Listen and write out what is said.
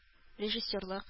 Режиссерлык